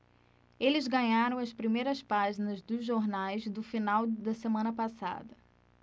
eles ganharam as primeiras páginas dos jornais do final da semana passada